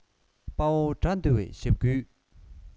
དཔའ བོ དགྲ འདུལ བའི ཞབས བསྐུལ